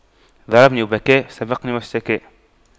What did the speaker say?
ضربني وبكى وسبقني واشتكى